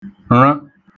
ṙə̣